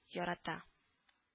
Ярата